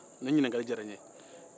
nin ɲininkali diyara n ye